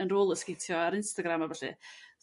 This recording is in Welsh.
yn rolersgetio ar Instagram a ballu.